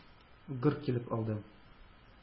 Гөр килеп алды.